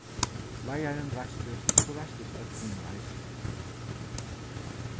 leiðarin reistist og so reistust øll hini eisini